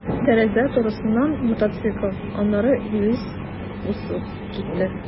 Тәрәзә турысыннан мотоцикл, аннары «Виллис» узып китте.